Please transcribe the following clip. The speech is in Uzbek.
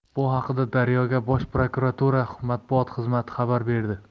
bu haqda daryo ga bosh prokuratura matbuot xizmati xabar berdi